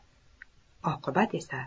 oqibat esa